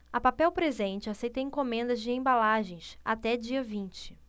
a papel presente aceita encomendas de embalagens até dia vinte